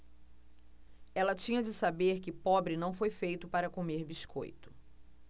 ela tinha de saber que pobre não foi feito para comer biscoito